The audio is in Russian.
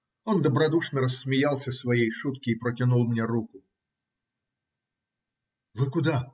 Он добродушно рассмеялся своей шутке и протянул мне руку. - Вы куда?